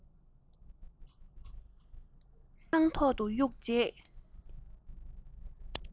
སྤང ཐང ཐོག ཏུ གཡུགས རྗེས